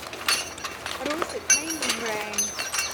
รู้สึกไม่มีแรง